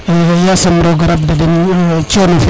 yasam roga rab da den cono fe